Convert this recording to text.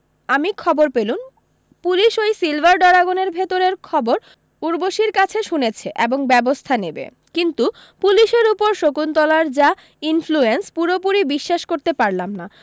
আমি খবর পেলুম পুলিশ ওই সিলভার ডরাগনের ভিতরের খবর ঊর্বশীর কাছে শুনেছে এবং ব্যবস্থা নেবে কিন্তু পুলিসের উপর শকুন্তলার যা ইনফলুয়েন্স পুরোপুরি বিশ্বাস করতে পারলাম না